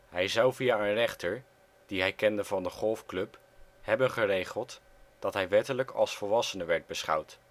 Hij zou via een rechter die hij kende van de golfclub hebben geregeld dat hij wettelijk als volwassene werd beschouwd